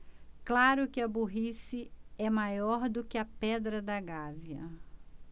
claro que a burrice é maior do que a pedra da gávea